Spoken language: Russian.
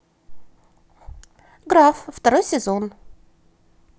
граф второй сезон